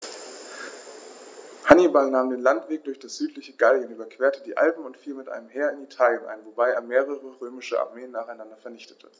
Hannibal nahm den Landweg durch das südliche Gallien, überquerte die Alpen und fiel mit einem Heer in Italien ein, wobei er mehrere römische Armeen nacheinander vernichtete.